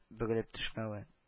Бөгелеп төшмәве